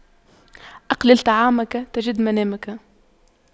أقلل طعامك تجد منامك